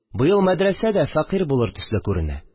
Быел мәдрәсә дә фәкыйрь булыр төсле күренә